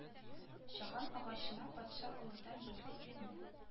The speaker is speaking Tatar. Чаган агачына патша олыдан бүлде ирне